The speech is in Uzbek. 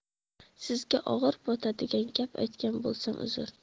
sizga og'ir botadigan gap aytgan bo'lsam uzr